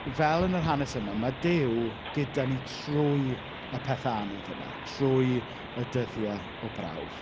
Fel yn yr hanes yma, ma' Duw gyda ni trwy y pethe anodd yma. Trwy y dyddiau o brawf.